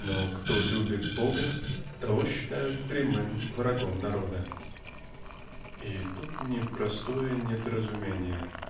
но кто любит Бога, того считают прямым врагом народа. И тут--не простое недоразумение